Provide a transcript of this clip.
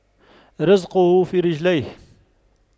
رِزْقُه في رجليه